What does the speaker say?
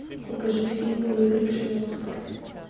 покажи фильмы выигравшие оскар